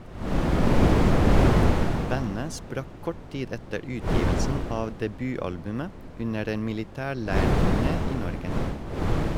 Bandet sprakk kort tid etter utgivelsen av debutalbumet, under en militærleirturné i Norge.